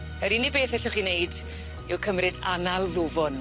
Yr unig beth ellwch chi neud yw cymryd anal ddwfwn.